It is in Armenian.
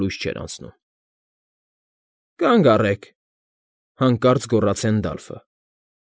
Լույս չէր անցնում։ ֊ Կանգ առե՛ք,֊ հանկարծ գոռաց Հենդալֆը։